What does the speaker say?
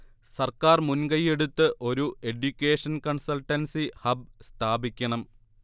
സർക്കാർ മുൻകൈയെടുത്ത് ഒരു എഡ്യൂക്കേഷൻ കൺസൾട്ടൻസി ഹബ് സ്ഥാപിക്കണം